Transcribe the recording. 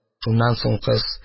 Шуннан соң кыз: